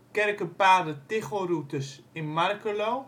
Kerkepaden-Tichelroutes Markelo